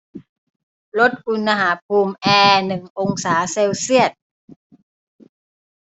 ลดอุณหภูมิแอร์หนึ่งองศาเซลเซียส